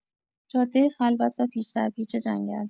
جاده خلوت و پیچ‌درپیچ جنگل